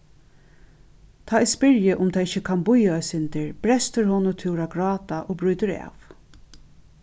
tá eg spyrji um tað ikki kann bíða eitt sindur brestur hon útúr at gráta og brýtur av